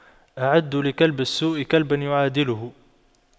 أعدّوا لكلب السوء كلبا يعادله